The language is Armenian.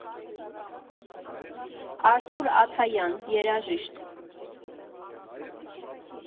Արթուր Աթայան, երաժիշտ։